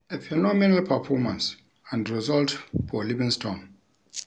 A phenomenal performance and result for Livingston.